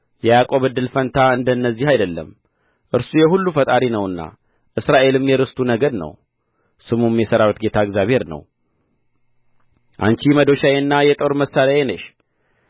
የያዕቆብ እድል ፈንታ እንደ እነዚህ አይደለም እርሱ የሁሉ ፈጣሪ ነውና እስራኤልም የርስቱ ነገድ ነው ስሙም የሠራዊት ጌታ እግዚአብሔር ነው አንቺ መዶሻዬና የጦር መሣሪያዬ ነሽ